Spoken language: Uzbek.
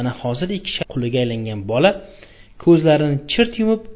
hozir ikki shayton quliga aylangan bola ko'zlarini chirt yumib